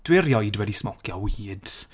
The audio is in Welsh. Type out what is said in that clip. Dwi erioed wedi smocio weed.